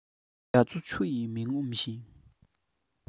རྒྱ མཚོ ཆུ ཡིས མི ངོམས ཤིང